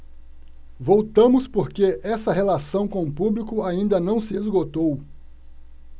voltamos porque essa relação com o público ainda não se esgotou